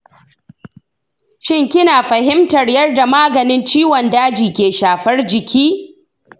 shin kina fahimtar yadda maganin ciwon daji ke shafar jiki?